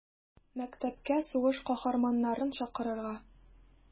Мәктәпкә сугыш каһарманнарын чакырырга.